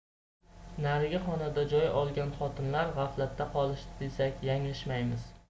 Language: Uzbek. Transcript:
narigi xonadan joy olgan xotinlar g'aflatda qolishdi desak yanglishmaymiz